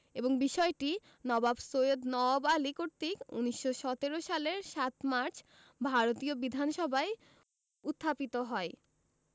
এবং বিষয়টি নবাব সৈয়দ নওয়াব আলী কর্তৃক ১৯১৭ সালের ৭ মার্চ ভারতীয় বিধানসভায় উত্থাপিত হয়